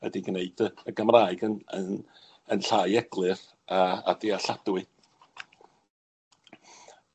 ydi gneud y y Gymraeg yn yn yn llai eglur a a dealladwy.